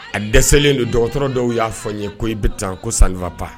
A dɛsɛlen don dɔgɔtɔrɔ dɔw y'a fɔ n ye ko i bɛ tan ko sanfa pa